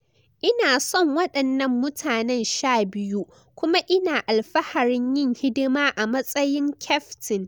Ina son wadannan mutanen 12 kuma ina alfaharin yin hidima a matsayin kyaftin.